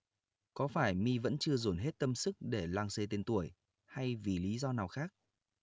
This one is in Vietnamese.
có phải my vẫn chưa dồn hết tâm sức để lăng xê tên tuổi hay vì lí do nào khác